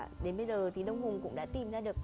đến bây giờ thì đông hùng cũng đã tìm ra được